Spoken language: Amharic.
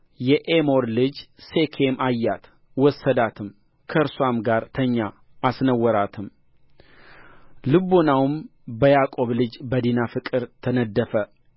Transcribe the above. የኤሞር ልጅ ሴኬም አያት ወሰዳትም ከእርስዋም ጋር ተኛ አስነወራትም ልቡናውም በያዕቆብ ልጅ በዲና ፍቅር ተነደፈ